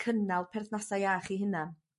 cynnal perthnasa' iach 'u hunan.